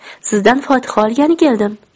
sizdan fotiha olgani keldim